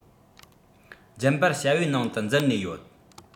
རྒྱུན པར བྱ བའི ནང དུ འཛུལ ནས ཡོད